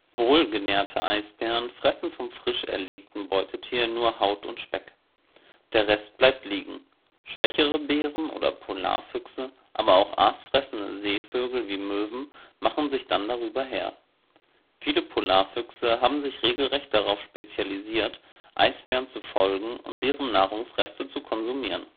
Wohlgenährte Eisbären fressen vom frisch erlegten Beutetier nur Haut und Speck; der Rest bleibt liegen. Schwächere Bären oder Polarfüchse, aber auch aasfressende Seevögel wie Möwen machen sich dann darüber her. Viele Polarfüchse haben sich regelrecht darauf spezialisiert, Eisbären zu folgen und deren Nahrungsreste zu konsumieren